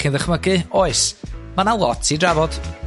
chi'n ddychmygu oes ma' 'na lot i drafod.